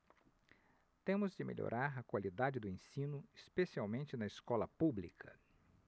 temos de melhorar a qualidade do ensino especialmente na escola pública